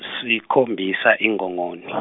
sikhombisa iNgongoni.